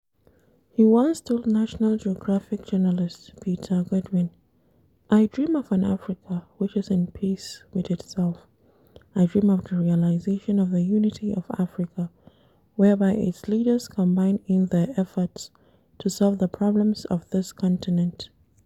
He once told National Geographic journalist, Peter Godwin, “I dream of an Africa which is in peace with itself…I dream of the realization of the unity of Africa, whereby its leaders combine in their efforts to solve the problems of this continent.